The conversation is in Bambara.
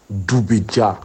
Du bi diya!